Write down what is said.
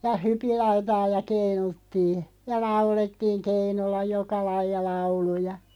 ja hypinlautaa ja keinuttiin ja laulettiin keinulla joka lajia lauluja